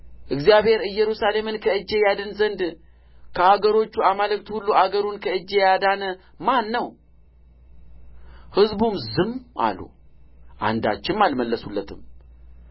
እግዚአብሔር ኢየሩሳሌምን ከእጄ ያድን ዘንድ ከአገሮቹ አማልክት ሁሉ አገሩን ከእጄ ያዳነ ማን ነው ሕዝቡም ዝም አሉ አንዳችም አልመለሱለትም